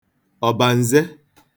ọ̀bàǹze